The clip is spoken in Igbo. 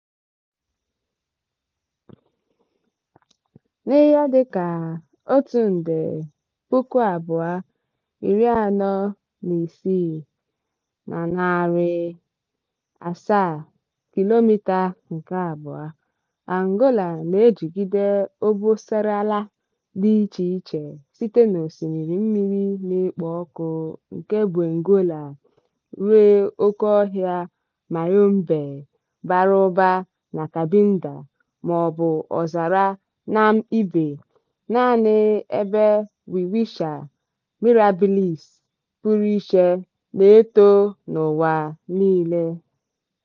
N'ihe dịka 1,246,700 km2, Angola na-ejigide obosaraala dị icheiche, site n'osimiri mmiri na-ekpo ọkụ nke Benguela ruo okéọhịa Maiombe bara ụba na Cabinda maọbụ ọzara Namibe, naanị ebe welwitschia mirabilis pụrụ iche na-eto n'ụwa niile.